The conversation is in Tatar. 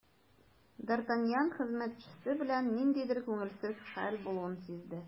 Д’Артаньян хезмәтчесе белән ниндидер күңелсез хәл булуын сизде.